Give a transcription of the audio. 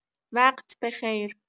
وقت بخیر.